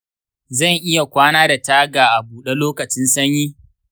zan iya kwana da taga a bude lokacin sanyi?